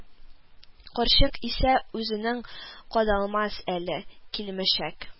Карчык исә үзенең: "Кадалмас әле, килмешәк